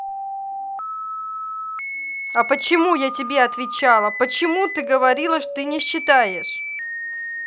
а почему я тебе отвечала почему ты говорила что ты не считаешь